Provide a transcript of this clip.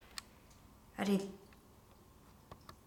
རེད